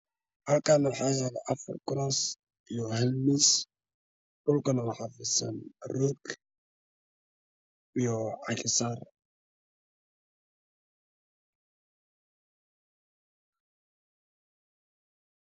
Halkaana waxa yaalo afar kuraas iyo hal miis dhulkana waxaa fidsan roog iyo caga saar